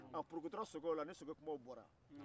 a ni sokɛ kunba bɔra